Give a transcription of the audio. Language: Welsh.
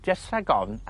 jys rhag ofn